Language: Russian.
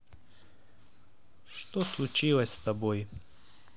что случилось с тобой